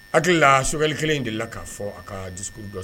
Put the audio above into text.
Hakili la sokɛli kelen in de la k'a fɔ a ka dusu dɔ